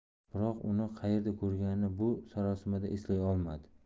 biroq uni qaerda ko'rganini bu sarosimada eslay olmadi